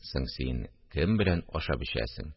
– соң син кем белән ашап-эчәсең